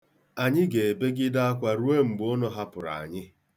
Anyị ga-ebegide akwa ruo mgbe unu hapụrụ anyị.